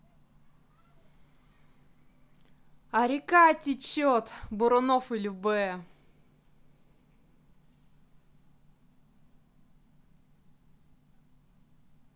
а река течет бурунов и любэ